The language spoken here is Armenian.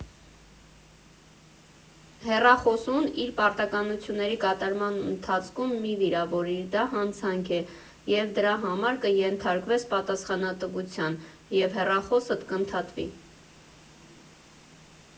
Հեռախոսուհուն, իր պարտականությունների կատարման ընթացքում մի՛ վիրավորիր, դա հանցանք է և դրա համար կենթարկվես պատասխանատվության և հեռախոսդ կընդհատվի։